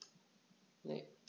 Ne.